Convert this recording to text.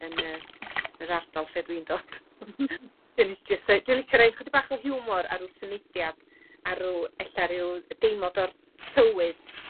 yn yy yr ardal lle dwi'n don. dwi licio roid chydig bach o hiwmor ar ôl symudiad a r'w, ella ryw deimlad o'r